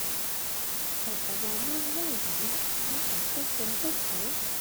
ข้อยก็ว่าเมืองเลยล่ะเนาะ มีฮอดภูขงภูเขา